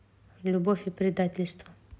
любовь и предательство